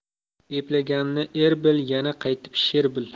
eplaganni er bil yana qaytib sher bil